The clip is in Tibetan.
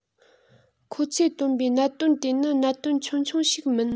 ཁོ ཚོས བཏོན པའི གནད དོན དེ ནི གནད དོན ཆུང ཆུང ཞིག མིན